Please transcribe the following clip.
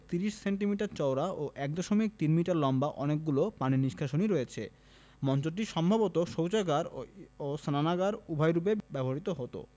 ৩০ centimetre চওড়া ও ১ দশমিক ৩ মিটার লম্বা অনেকগুলো পানি নিষ্কাশনী রয়েছে মঞ্চটি সম্ভবত শৌচাগার ও স্নানাগার উভয় রূপেই ব্যবহূত হতো